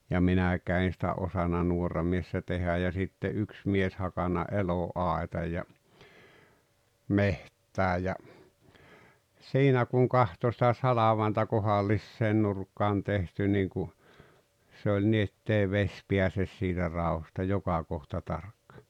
ja minäkään en sitä osannut nuorena miehenä tehdä ja sitten yksi mies hakannut eloaitan ja metsään ja siinä kun kantoi sitä salvainta kohdalliseen nurkkaan tehty niin kun se oli niin että ei vesi pääse siitä raosta joka kohta tarkka